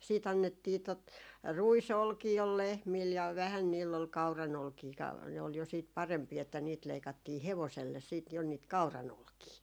sitten annettiin tuota ruisolkia oli lehmillä ja vähän niillä oli kauranolkia ka ne oli jo sitten parempia että niitä leikattiin hevoselle sitten jo niitä kauranolkia